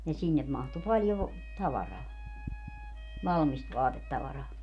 niin sinne mahtui paljon tavaraa valmista vaatetavaraa